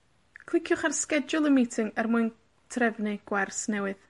Cliciwch ar Schedule a Meeting er mwyn trefnu gwers newydd,